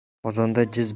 qozonda jiz biz